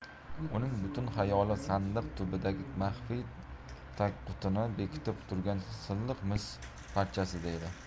uning butun xayoli sandiq tubidagi maxfiy tagqutini bekitib turgan silliq mis parchasida edi